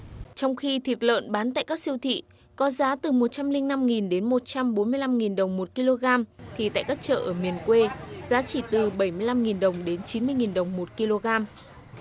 trong khi thịt lợn bán tại các siêu thị có giá từ một trăm linh năm nghìn đến một trăm bốn mươi lăm nghìn đồng một ki lô gam thì tại các chợ ở miền quê giá chỉ từ bẩy mươi lăm nghìn đồng đến chín mươi nghìn đồng một ki lô gam